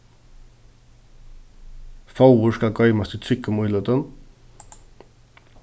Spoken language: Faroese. fóður skal goymast í tryggum íløtum